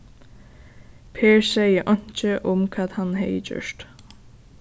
per segði einki um hvat hann hevði gjørt